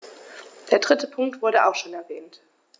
Der dritte Punkt wurde auch schon erwähnt.